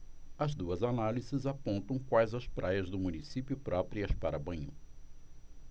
as duas análises apontam quais as praias do município próprias para banho